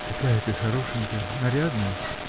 — Какая ты хорошенькая, нарядная!